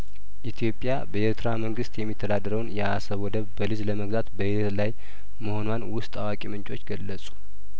ኢትዮጵያ በኤርትራ መንግስት የሚተዳደረውን የአሰብ ወደብ በሊዝ ለመግዛት በሂደት ላይ መሆኗን ውስጥ አዋቂ ምንጮች ገለጹ